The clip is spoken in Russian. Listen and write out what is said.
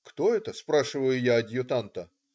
"Кто это?" - спрашиваю я адъютанта.